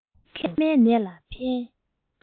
ལྷག ཏུ མཁལ མའི ནད ལ ཕན